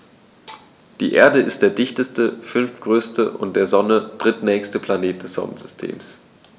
Die Erde ist der dichteste, fünftgrößte und der Sonne drittnächste Planet des Sonnensystems.